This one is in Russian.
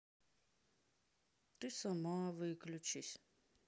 ты сама выключись